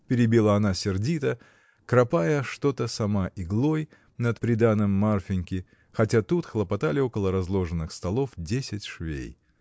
— перебила она сердито, кропая что-то сама иглой над приданым Марфиньки, хотя тут хлопотали около разложенных столов десять швей.